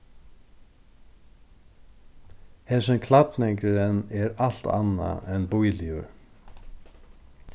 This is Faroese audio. hesin klædningurin er alt annað enn bíligur